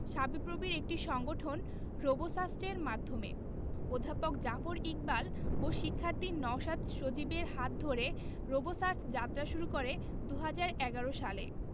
শাবিপ্রবির একটি সংগঠন রোবোসাস্টের মাধ্যমে অধ্যাপক জাফর ইকবাল ও শিক্ষার্থী নওশাদ সজীবের হাত ধরে রোবোসাস্ট যাত্রা শুরু করে ২০১১ সালে